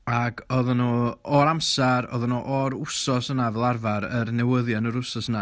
Ac oedden nhw o'r amser, oeddan nhw o'r wsos yna fel arfer... yr newyddion yr wsos 'na.